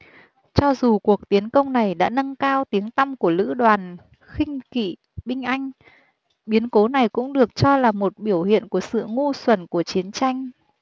cho dù cuộc tiến công này đã nâng cao tiếng tăm của lữ đoàn khinh kỵ binh anh biến cố này cũng được cho là một biểu hiện của sự ngu xuẩn của chiến tranh